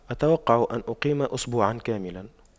أتوقع أن أقيم أسبوعا كاملا